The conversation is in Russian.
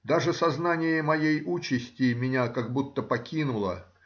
Даже сознание моей участи меня как будто покинуло